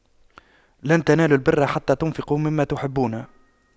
لَن تَنَالُواْ البِرَّ حَتَّى تُنفِقُواْ مِمَّا تُحِبُّونَ